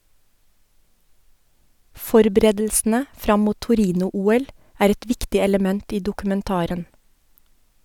Forberedelsene fram mot Torino-OL er et viktig element i dokumentaren.